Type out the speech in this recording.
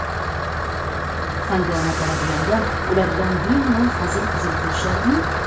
hangomatalab yangam ular bilan bemalol hazil huzul qilishardi yu